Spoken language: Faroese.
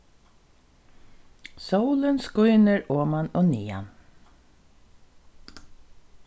sólin skínur oman og niðan